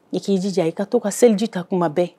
I k'i jija i ka to ka seliji ka kuma bɛɛ